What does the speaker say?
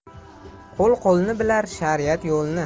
qo'l qo'lni bilar shariat yo'lni